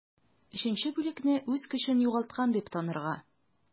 3 бүлекне үз көчен югалткан дип танырга.